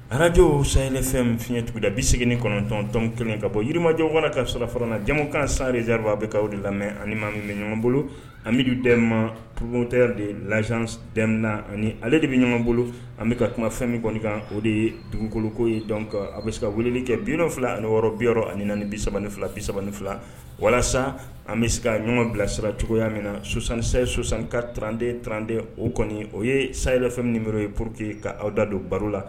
Ara araj san ye ne fɛn fiɲɛɲɛ tugunda bise segin ni kɔnɔntɔntɔn kelen ka bɔ yirimajɔ wara ka sɔrɔ farana jamumu kan sa zarifa a bɛ aw de lamɛn ani maa bɛ ɲɔgɔn bolo amimidu dɛmɛma poropte de la denmisɛnnin ani ale de bɛ ɲɔgɔn bolo an bɛ ka kuma fɛn min kɔni kan o de ye dugukoloko ye dɔn kan a bɛ se ka weleli kɛ bi fila ani biyɔrɔ ani ni bi3 ni fila bisa ni fila walasa an bɛ se ɲɔgɔn bilasiracogo cogoyaya min nasansanka tranden trante o kɔni o ye sa yɛrɛ fɛn minb ye pur que ka aw da don baro la